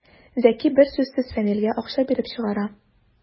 Зәки бер сүзсез Фәнилгә акча биреп чыгара.